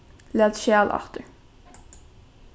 lat skjal aftur